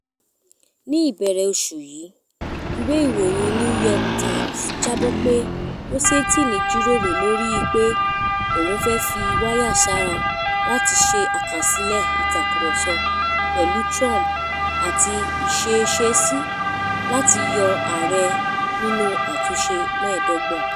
Ní ìbẹ̀rẹ̀ oṣù yìí, ìwé ìròyìn New York Times jábọ̀ pé Rosenstein jíròrò lórí i pé oùn fẹ́ fí wáyà sára láti ṣe àkásílẹ̀ ìtàkurọ̀sọ pẹ̀lú Trump àti ìṣeéṣesí láti yọ ààrẹ nínú àtúnṣe 25.